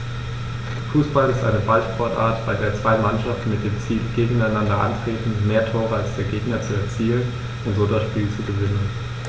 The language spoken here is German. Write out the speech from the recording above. Fußball ist eine Ballsportart, bei der zwei Mannschaften mit dem Ziel gegeneinander antreten, mehr Tore als der Gegner zu erzielen und so das Spiel zu gewinnen.